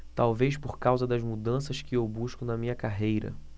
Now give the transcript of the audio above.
talvez por causa das mudanças que eu busco na minha carreira